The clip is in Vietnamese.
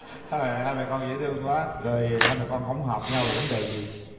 trời ơi hai mẹ con dễ thương quá rồi hai mẹ con hổng hợp nhau về vấn đề gì